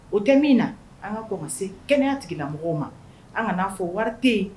O tɛ min na an ka kɔ ka se kɛnɛya tigila mɔgɔw ma an kana n'a fɔ wari